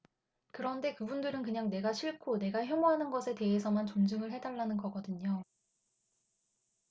그런데 그분들은 그냥 내가 싫고 내가 혐오하는 것에 대해서만 존중을 해 달라는 거거든요